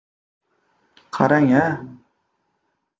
qarang a